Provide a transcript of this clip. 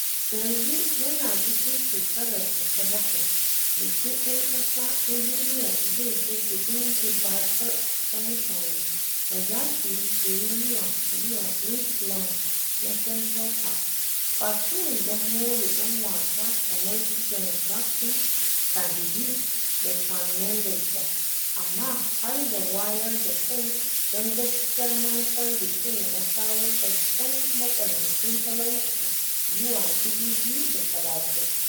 Yanzu yana cikin shekararsa ta bakwai, Bikin 'Yan Ƙasa na Duniyar zai ga dubun-dubatar ta mutane da za su yi tururuwa zuwa Great Lawn na Central Park ba kawai don more 'yan wasa kamar su Janet Jackson, Cardi B da Shawn Mendes ba, amma har da wayar da kai don gaskiyar manufar bikin na kawo ƙarshen matsanancin talauci zuwa 2030.